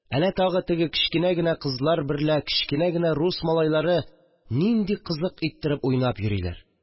Нә тагы кечкенә генә кызлар берлә кечкенә генә рус малайлары нинди кызык иттереп уйнап йөриләр